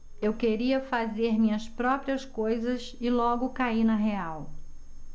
eu queria fazer minhas próprias coisas e logo caí na real